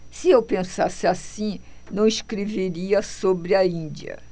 se eu pensasse assim não escreveria sobre a índia